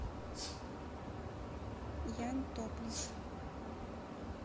ян топлесс